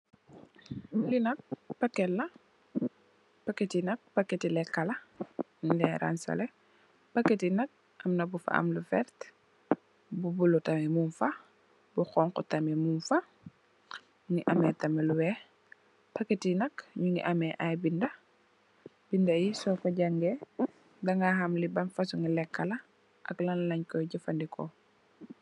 Lii nak pakete la, paketi lekka ñung len rankseleh. Paketinak am na bu fa am lu vert, bu bulo tamit mungfa, bu xonxu tamit mungfa, mungi ame tamit lu weex. Paketinak ñungi ame ay binda, bindayi soko jange danga xam li ban fosongi lekka la ak lan lenge koy jefandeko.